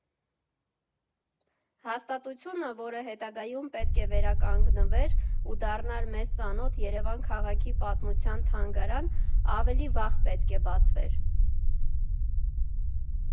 Հաստատությունը, որը հետագայում պետք է վերանվանվեր ու դառնար մեզ ծանոթ՝ Երևան քաղաքի պատմության թանգարան, ավելի վաղ պետք է բացվեր։